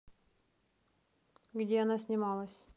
где она снималась